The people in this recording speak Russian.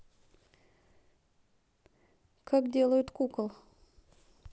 как делают кукол